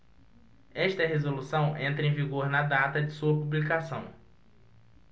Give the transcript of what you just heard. esta resolução entra em vigor na data de sua publicação